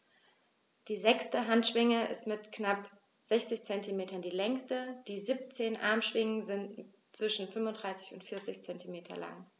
Die sechste Handschwinge ist mit knapp 60 cm die längste. Die 17 Armschwingen sind zwischen 35 und 40 cm lang.